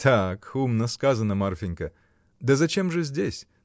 — Так, умно сказано, Марфинька: да зачем же здесь?